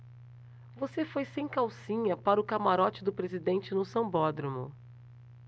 você foi sem calcinha para o camarote do presidente no sambódromo